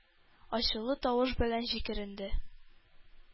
Ачулы тавыш белән җикеренде: -